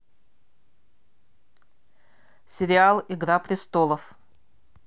сериал игра престолов